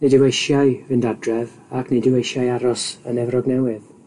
Nid yw eisiau fynd adref ac nid yw eisiau aros yn Efrog Newydd.